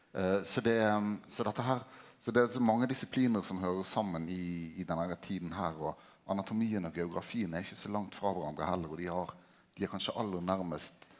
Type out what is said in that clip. så det så dette her så det er så mange disiplin som høyrer saman i i den herre tida her og anatomien og geografien er ikkje så langt frå kvarandre heller og dei har dei er kanskje aller nærmast.